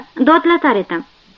dodlatar edim